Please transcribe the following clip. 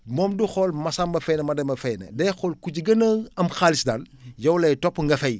moom du xool Massamba fay na Mademba fay na day xool ku ci gën a am xaalis daal yow lay topp nga fay